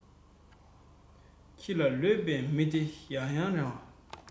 ཁྱི ལས ལོད པའི མི དེ ཡ ཡང ང